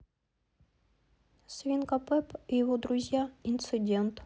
свинка пеппа и его друзья инцидент